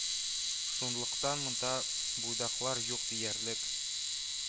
Шунлыктан монда буйдаклар юк диярлек